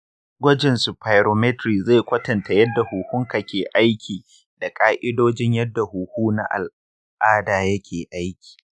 gwajin spirometry zai kwatanta yadda huhunka ke aiki da ƙa’idojin yadda huhu na al’ada yake aiki.